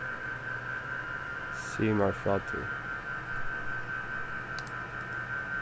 sig mær frá tí